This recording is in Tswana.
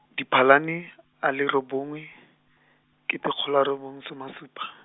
Diphalane, a le robongwe, kete kgolo a robong some a supa.